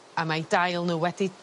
A mae dail n'w wedi